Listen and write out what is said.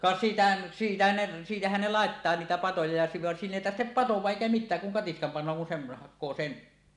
ka sitä siitä ne siitähän ne laittaa niitä patoja ja silloin vaan siinä ei tarvitse padota eikä mitään kun katiskan panee kun sen hakee sen